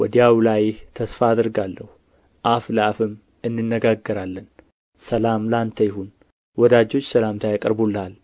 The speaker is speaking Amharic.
ወዲያው ላይህ ተስፋ አደርጋለሁ አፍ ለአፍም እንነጋገራለን ሰላም ለአንተ ይሁን ወዳጆች ሰላምታ ያቀርቡልሃል